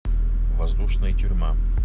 воздушная тюрьма